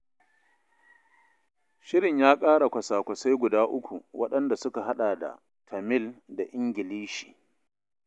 Shirin ya ƙara kwasa-kwasai guda uku, waɗanda suka haɗa da Tamil da Ingilishi.